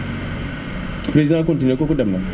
président continué kooku dem na